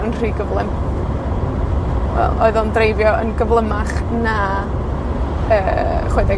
yn rhy gyflym. Wel, oedd o'n dreifio yn gyflymach na, yy, chwe deg